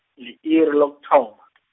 li-iri lokuthoma .